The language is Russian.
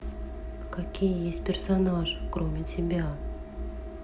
какие есть персонажи кроме тебя